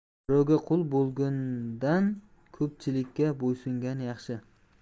birovga qui bo'lgandan ko'pchilikka bo'ysungan yaxshi